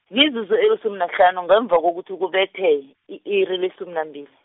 mizuzu elitjhumi nahlanu, ngemva kokuthi kubethe, i-iri letjhumi nambili.